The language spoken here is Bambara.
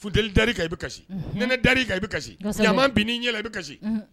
Fu deli da kan i bɛ kasi nɛnɛ da i kan i bɛ kasi bin n'i ɲɛ i bɛ kasi